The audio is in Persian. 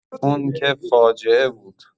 اون که فاجعه بود.